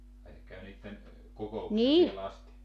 ai se käy niiden kokouksissa siellä asti